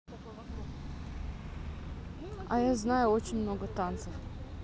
а я знаю очень много танцев